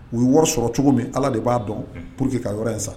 U ye wɔɔrɔ sɔrɔ cogo min ala de b'a dɔn pur que ka yɔrɔ in sa